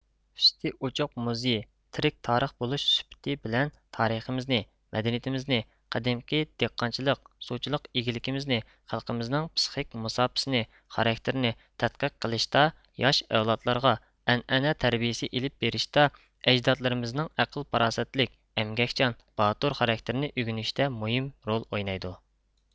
ئۈستى ئۇچۇق موزىي تىرىك تارىخ بولۇش سۈپىتى بىلەن تارىخىمىزنى مەدەنىيىتىمىزنى قەدىمكى دېھقانچىلىق سۇچىلىق ئىگىلىكىمىزنى خەلقىمىزنىڭ پىسخىك مۇساپىسىنى خاراكتىرنى تەتقىق قىلىشتا ياش ئەۋلادلارغا ئەنئەنە تەربىيىسى ئېلىپ بېرىشتا ئەجدادلىرىمىزنىڭ ئەقىل پاراسەتلىك ئەمگەكچان باتۇر خاراكتېرىنى ئۆگىنىشىتە مۇھىم رول ئوينايدۇ